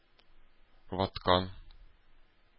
Ваткан